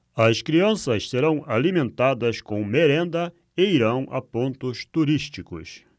as crianças serão alimentadas com merenda e irão a pontos turísticos